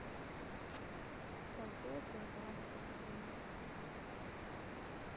погода в астрахани